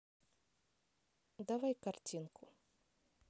давай картинку